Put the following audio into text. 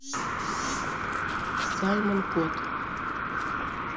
саймон кот